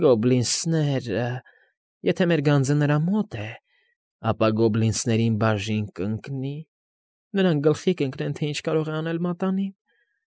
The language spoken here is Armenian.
Գոբլինս֊ս֊սները… Եթե մեր գանձը նրա մոտ է, ապա գոբլինս֊ս֊սներին բաժին կընկնի, գոլլմ… Նրանք գլխի կընկնեն, թե ինչ կարող է անել մատանին։